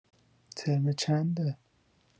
ترم چنده؟